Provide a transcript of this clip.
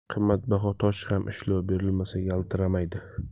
qimmatbaho tosh ham ishlov berilmasa yaltiramaydi